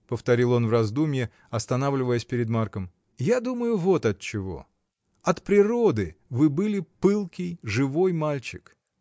— повторил он в раздумье, останавливаясь перед Марком, — я думаю, вот отчего: от природы вы были пылкий, живой мальчик.